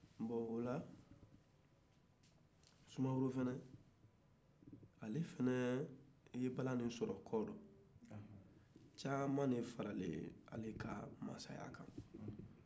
bon ola sumaworo fana ale fana kɛlen ka bala nin sɔrɔ caaman de farala a ka masaya kan